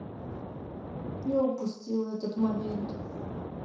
я упустила этот момент